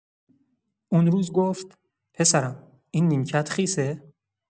اون روز گفت: «پسرم، این نیمکت خیسه؟»